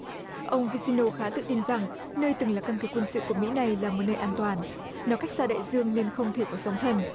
ông vi si nô khá tự tin rằng nơi từng là căn cứ quân sự của mỹ này là một nơi an toàn nó cách xa đại dương nên không thể có sóng thần